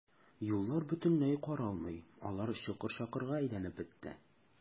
Юллар бөтенләй каралмый, алар чокыр-чакырга әйләнеп бетте.